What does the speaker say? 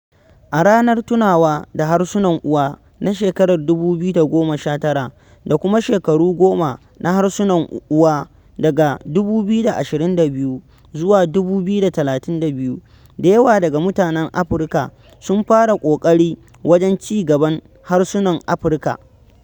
A ranar tunawa da harsunan uwa na shekarar 2019 da kuma shekaru goma na harsunan uwa daga 2022-2032, da yawa daga mutanen Afirka sun fara ƙoƙari wajen ci gaban harsunan Afirka.